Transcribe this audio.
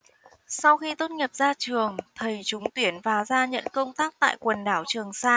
sau khi tốt nghiệp ra trường thầy trúng tuyển và ra nhận công tác tại quần đảo trường sa